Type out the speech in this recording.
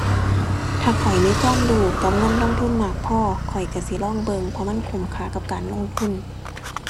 ถ้าข้อยมีความรู้กับเงินลงทุนมากพอ ข้อยก็สิลองเบิ่ง เพราะมันคุ้มค่ากับการลงทุน